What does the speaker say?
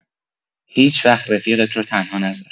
هیچ‌وقت رفیقت رو تنها نذار